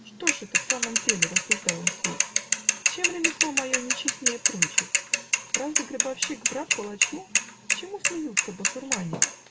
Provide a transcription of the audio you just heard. "Что ж это, в самом деле, -- рассуждал он вслух, -- чем ремесло мое нечестнее прочих? разве гробовщик брат палачу? чему смеются басурмане?